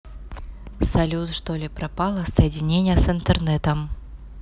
салют что ли пропало соединение с интернетом